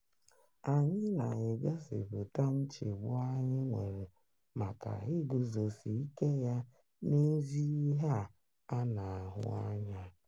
Anyị na-egosipụta nchegbu anyị nwere maka igụzọsi ike ya n'ezi ihe a na-ahụ anya.